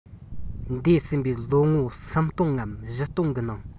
འདས ཟིན པའི ལོ ངོ སུམ སྟོང ངམ བཞི སྟོང གི ནང